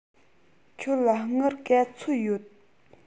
ཁྱོད ལ དངུལ ག ཚོད ཡོད